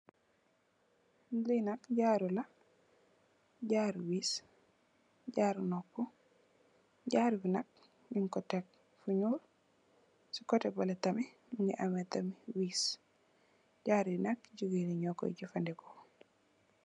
Lii nak jaaru la, jaaru wiis, jaaru nopu, jaaru bi nak, ñungko tek fu ñuul, si kote beuleh tamih, mungi ameh tamih wiis, jaaru yi nak chuweeri ñookoy jefandikoo.